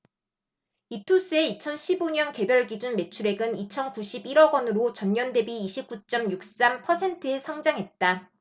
이투스의 이천 십 오 년 개별기준 매출액은 이천 구십 일 억원으로 전년 대비 이십 구 쩜 육 삼 퍼센트의 성장했다